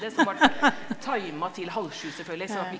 ja.